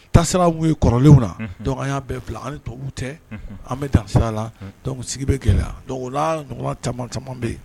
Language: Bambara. Tasira kɔrɔlenw na y'a bɛɛ fila ani tobabu tɛ an bɛ tan la sigi bɛ gɛlɛya lala ɲɔgɔn caman caman bɛ yen